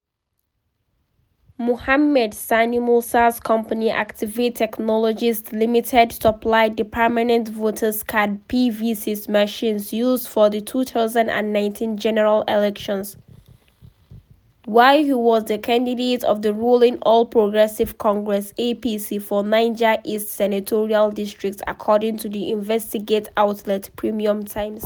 Mohammed Sani Musa’s company, Activate Technologies Limited, supplied the Permanent Voter Cards (PVCs) machine used for the 2019 general elections, while he was the candidate of the ruling All Progressives Congress (APC) for Niger East Senatorial district, according to the investigate outlet, Premium Times.